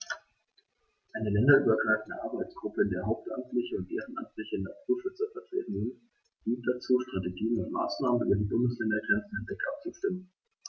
Eine länderübergreifende Arbeitsgruppe, in der hauptamtliche und ehrenamtliche Naturschützer vertreten sind, dient dazu, Strategien und Maßnahmen über die Bundesländergrenzen hinweg abzustimmen.